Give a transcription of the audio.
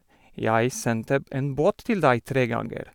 Jeg sendte b en båt til deg tre ganger.